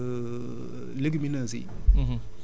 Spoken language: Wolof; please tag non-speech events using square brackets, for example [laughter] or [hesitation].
[hesitation] légumineuse yi